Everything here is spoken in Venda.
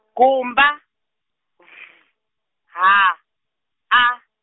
gumba, V, H, A.